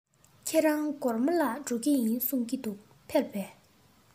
ཁྱེད རང གོར མོ ལ འགྲོ རྒྱུ ཡིན གསུང པས ཕེབས སོང ངམ